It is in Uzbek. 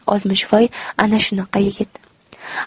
oltmishvoy ana shunaqa yigit